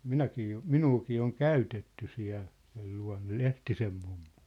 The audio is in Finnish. minäkin jo minuakin on käytetty siellä sen luona Lehtisen mummo